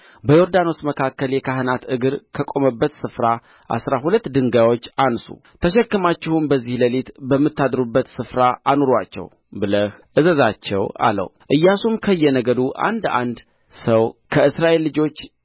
በዮርዳኖስ መካከል የካህናት እግር ከቆመበት ስፍራ አሥራ ሁለት ድንጋዮች አንሡ ተሸክማችሁም በዚህ ሌሊት በምታድሩበት ስፍራ አኑሩአቸው ብለህ እዘዛቸው አለው ኢያሱም ከየነገዱ አንድ አንድ ሰው ከእስራኤል ልጆች